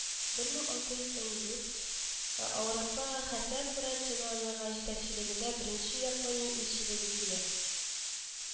Бер мең алты йөз унидүрт аурупага хасэкура цунэнага җитәкчелегендә беренче япония илчелеге килә